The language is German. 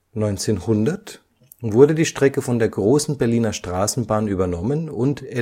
1900 wurde die Strecke von der Großen Berliner Straßenbahn übernommen und